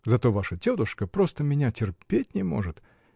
зато ваша тетушка просто меня терпеть не может.